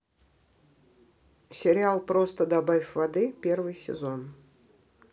сериал просто добавь воды первый сезон